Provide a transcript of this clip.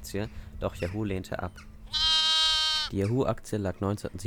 Yahoo lehnte ab. Die Yahoo-Aktie lag 1997